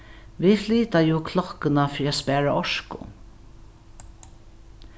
vit flyta jú klokkuna fyri at spara orku